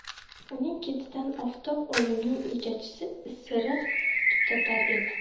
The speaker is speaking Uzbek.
uning ketidan oftob oyimning egachisi isirig' tutatar edi